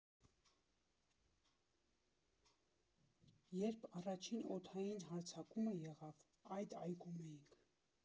Երբ առաջին օդային հարձակումը եղավ, այդ այգում էինք։